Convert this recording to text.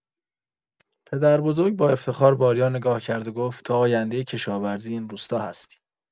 پدربزرگ با افتخار به آریا نگاه کرد و گفت: «تو آیندۀ کشاورزی این روستا هستی.»